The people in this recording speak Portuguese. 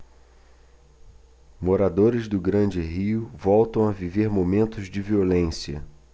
moradores do grande rio voltam a viver momentos de violência